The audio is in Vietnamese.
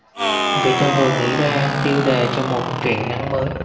vì tôi vừa nghĩ ra tiêu đề cho một truyện ngắn mới